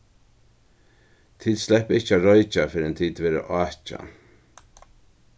tit sleppa ikki at roykja fyrr enn tit verða átjan